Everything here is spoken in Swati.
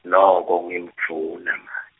noko ngimdvuna .